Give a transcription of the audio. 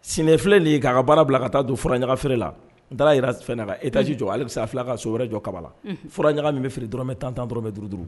Senfi filɛli'a ka baara bila ka taa don fura feere la taara jirara e taasi jɔ ale bɛ se fila ka so wɛrɛ jɔ kababala fura ɲaga min bɛ fili d dɔrɔnmɛ tan tan dɔrɔnɔrɔmɛ duuru duuru